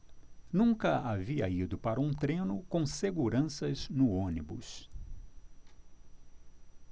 nunca havia ido para um treino com seguranças no ônibus